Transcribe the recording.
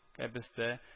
Кәбестә